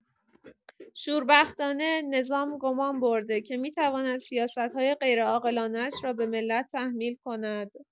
شوربختانه، نظام گمان برده که می‌تواند سیاست‌های غیرعاقلانه‌اش را به ملت تحمیل کند.